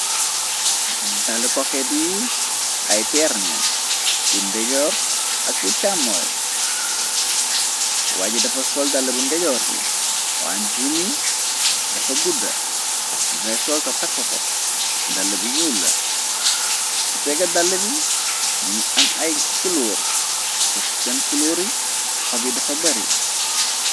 Dala koket yi ay peerneen bu ndejoor ak bu càmmooy waaji dafa sol dala bu ndejoor bi waate bu mi dafa gudda ngaxay soolta takka ko dala bu ñuul la ci pega dala bi mi ngi am ay fuloor tefu seen fuloori xo bi dafa bari.